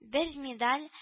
Бер медаль